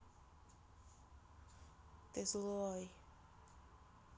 ты злой